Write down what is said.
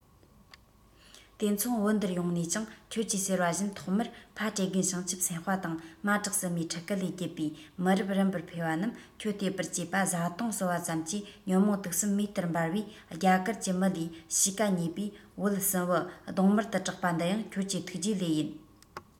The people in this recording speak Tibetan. དེ མཚུངས བོད འདིར ཡོང ནས ཀྱང ཁྱོད ཀྱིས ཟེར བ བཞིན ཐོག མར ཕ སྤྲེལ རྒན བྱང ཆུབ སེམས དཔའ དང མ བྲག སྲིན མོའི ཕྲུ གུ ལས བརྒྱུད པའི མི རབས རིམ པར འཕེལ བ རྣམས ཁྱོད བལྟོས པར བཅས པ བཟའ བཏུང གསོལ བ ཙམ གྱིས ཉོན མོངས དུག གསུམ མེ ལྟར འབར བས རྒྱ གར གྱི མི ལས གཤིས ཀ ཉེས པས བོད སྲིན བུ གདོང དམར དུ གྲགས པ འདི ཡང ཁྱོད ཀྱི ཐུགས རྗེ ལོས ཡིན